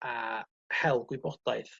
a hel gwybodaeth